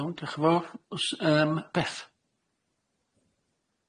Iawn dioch yn fowr- yym Beth.